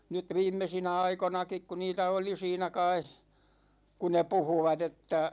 nyt viimeisinä aikoinakin kun niitä oli siinä kai kun ne puhuivat että